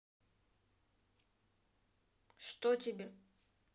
что тебя